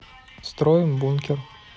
строим бункер